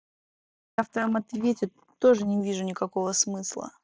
я в твоем ответе тоже не вижу никакого смысла